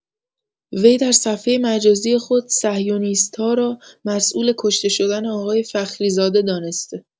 وی در صفحه مجازی خود «صهیونیست‌ها» را مسئول کشته شدن آقای فخری زاده دانسته